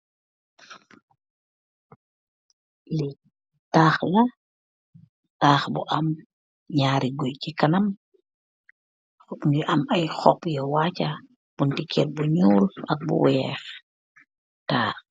Lii taakh la, taakh bu am njarri guiiy chi kanam, mungy am iiy hopp yu waacha, bunti kerr bu njul ak bu wekh daal.